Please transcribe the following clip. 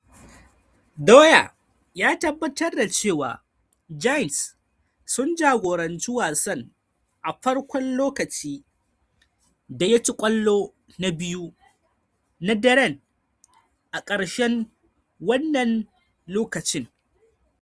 Dwyer ya tabbatar da cewa Giants sun jagoranci wasan a farkon lokaci da ya ci kwallo na biyu na daren a karshen wannan lokacin.